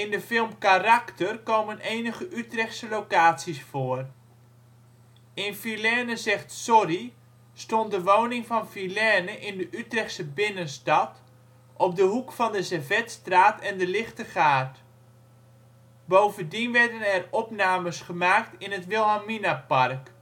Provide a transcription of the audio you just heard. de film Karakter komen enige Utrechtse locaties voor. In Phileine zegt sorry stond de woning van Phileine in de Utrechtse binnenstad, op de hoek van de Servetstraat en de Lichte Gaard. Bovendien werden er opnames gemaakt in het Wilhelminapark